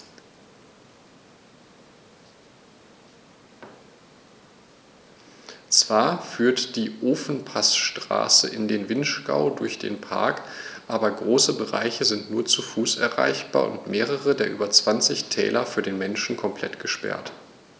Zwar führt die Ofenpassstraße in den Vinschgau durch den Park, aber große Bereiche sind nur zu Fuß erreichbar und mehrere der über 20 Täler für den Menschen komplett gesperrt.